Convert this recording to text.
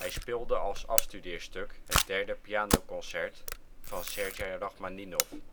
speelde als afstudeerstuk het derde pianoconcert van Sergej Rachmaninov